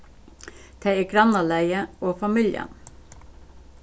tað er grannalagið og familjan